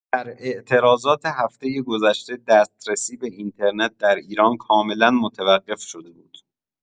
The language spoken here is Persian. در اعتراضات هفته گذشته، دسترسی به اینترنت در ایران کاملا متوقف‌شده بود!